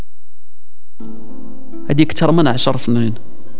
الدكتور من عشر سنين